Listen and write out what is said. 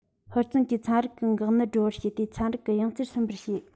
ཧུར བརྩོན གྱིས ཚན རིག གི འགག གནད སྒྲོལ བར བྱས ཏེ ཚན རིག གི ཡང རྩེར སོན པར བྱེད